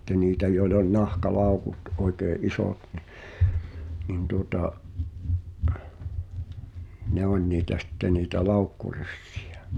sitten niitä joilla oli nahkalaukut oikein isot niin niin tuota ne oli niitä sitten niitä laukkuryssiä